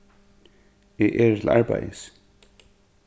eg eri til arbeiðis